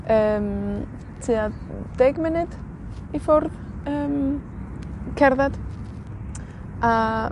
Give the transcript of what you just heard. Yym tua n- deg munud i ffwrdd yym, cerdded. A